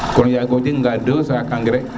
konn yaga o jega nga 2 sacs engrais